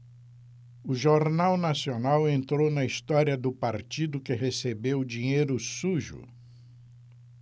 o jornal nacional entrou na história do partido que recebeu dinheiro sujo